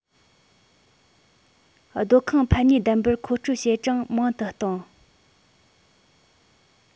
སྡོད ཁང ཕན ནུས ལྡན པར མཁོ སྤྲོད བྱེད གྲངས མང དུ གཏོང